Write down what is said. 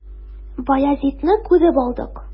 Баязитны күреп алдык.